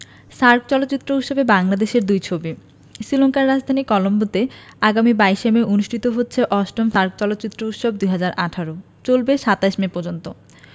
SAARC চলচ্চিত্র উৎসবে বাংলাদেশের দুই ছবি শ্রীলংকার রাজধানী কলম্বোতে আগামী ২২ মে অনুষ্ঠিত হচ্ছে ৮ম সার্ক চলচ্চিত্র উৎসব ২০১৮ চলবে ২৭ মে পর্যন্ত